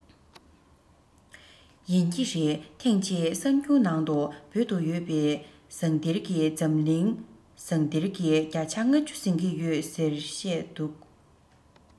ཡིན གྱི རེད ཐེངས གཅིག གསར འགྱུར ནང དུ བོད དུ ཡོད པའི ཟངས གཏེར གྱིས འཛམ གླིང ཟངས གཏེར གྱི བརྒྱ ཆ ལྔ བཅུ ཟིན གྱི ཡོད ཟེར བཤད འདུག